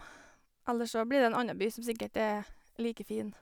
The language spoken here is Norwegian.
Ellers så blir det en anna by som sikkert er like fin.